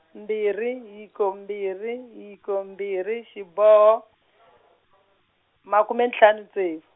mbirhi hiko mbirhi hiko mbirhi xiboho, makume ntlhanu ntsevu.